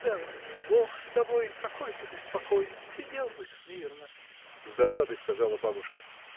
— Да ну, Бог с тобой, какой ты беспокойный: сидел бы смирно! — с досадой сказала бабушка.